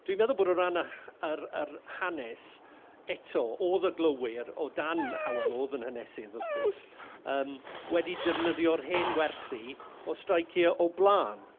dwi'n meddwl bod o ran yr ha- yr yr hanes eto, oedd y glowyr o dan Hywel, oedd yn hanesydd wrth gwrs, yym wedi defnyddio'r hen wersi o streiciau o blaen.